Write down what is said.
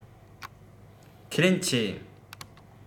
ཁས ལེན ཆེ